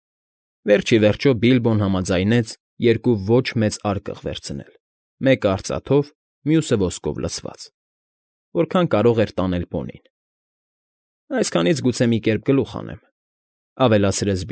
Վերջ ի վերջո Բիլբոն համաձայնեց երկու ոչ մեծ արկղ վերցնել, մեկը արծաթով, մյուսը՝ ոսկով լցված, որքան կարող էր տանել պոնին։ ֊ Այսքանից գուցե մի կերպ գլուխ հանեմ,֊ ավելացրեց։